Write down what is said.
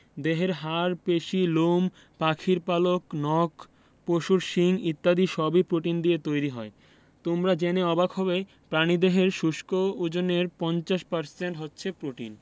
দেহের হাড় পেশি লোম পাখির পালক নখ পশুর শিং এগুলো সবই প্রোটিন দিয়ে তৈরি হয় তোমরা জেনে অবাক হবে প্রাণীদেহের শুষ্ক ওজনের প্রায় ৫০% হচ্ছে প্রোটিন